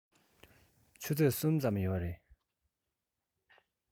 ཆུ ཚོད གསུམ ཙམ ཡོད རེད